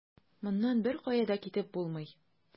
Моннан беркая да китеп булмый.